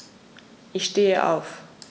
Ich stehe auf.